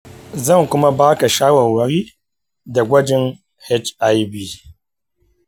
zan kuma ba ka shawarwari da gwajin hiv.